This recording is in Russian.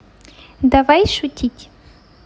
давай шутить